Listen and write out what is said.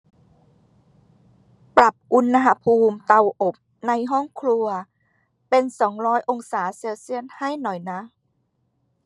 ปรับอุณหภูมิเตาอบในห้องครัวเป็นสองร้อยองศาเซลเซียสให้หน่อยนะ